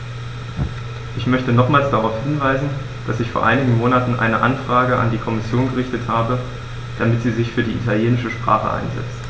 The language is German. Ich möchte nochmals darauf hinweisen, dass ich vor einigen Monaten eine Anfrage an die Kommission gerichtet habe, damit sie sich für die italienische Sprache einsetzt.